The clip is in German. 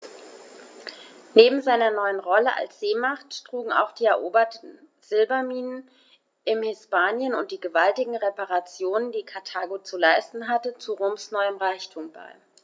Neben seiner neuen Rolle als Seemacht trugen auch die eroberten Silberminen in Hispanien und die gewaltigen Reparationen, die Karthago zu leisten hatte, zu Roms neuem Reichtum bei.